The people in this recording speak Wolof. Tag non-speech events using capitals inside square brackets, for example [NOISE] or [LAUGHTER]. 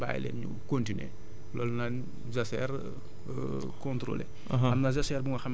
yeneen gàncax yi fa des ma bàyyi leen ñu continué loolu naan jachère [HESITATION] contrôlée